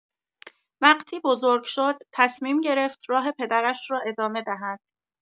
وقتی بزرگ شد، تصمیم گرفت راه پدرش را ادامه دهد.